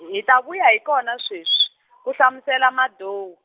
hi ta vuya hi kona sweswi ku hlamusela Madou.